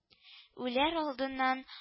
Үләр алдыннан